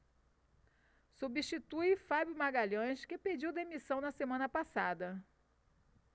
substitui fábio magalhães que pediu demissão na semana passada